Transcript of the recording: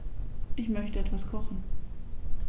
Ich möchte etwas kochen.